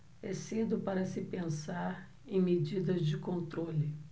é cedo para se pensar em medidas de controle